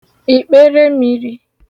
ìkperemiri